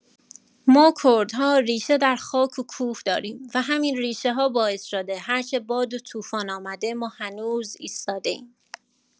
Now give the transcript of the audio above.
ما کردها ریشه در خاک و کوه داریم و همین ریشه‌ها باعث شده هرچه باد و طوفان آمده، ما هنوز ایستاده‌ایم.